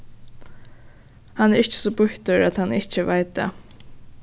hann er ikki so býttur at hann ikki veit tað